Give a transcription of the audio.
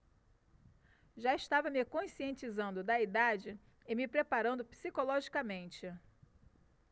já estava me conscientizando da idade e me preparando psicologicamente